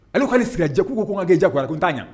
Ale k'ale sigijɛ koko kokan' ja kra tuntan ɲɛ